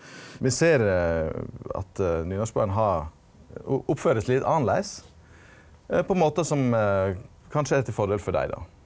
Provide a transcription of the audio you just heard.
me ser at nynorskbarn har oppfører seg litt annleis på ein måte som kanskje er til fordel for dei då.